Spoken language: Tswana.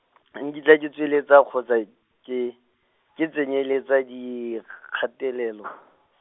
a nkitla ke tsweletsa kgotsa ke, ke tsenyeletsa dikgatelelo.